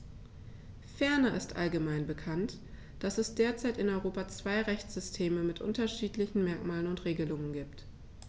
Ferner ist allgemein bekannt, dass es derzeit in Europa zwei Rechtssysteme mit unterschiedlichen Merkmalen und Regelungen gibt.